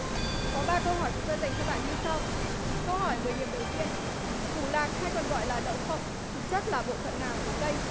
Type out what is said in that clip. có ba câu hỏi chúng tôi dành cho bạn như sau câu hỏi mười điểm đầu tiên củ lạc hay còn gọi là đậu phộng thực chất là bộ phận nào của cây